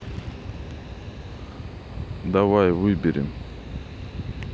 давай выберем